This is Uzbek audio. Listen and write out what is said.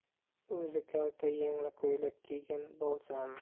o'zi kalta yengli ko'ylak kiygan bo'lsam